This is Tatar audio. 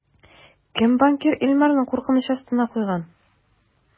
Кем банкир Илмарны куркыныч астына куйган?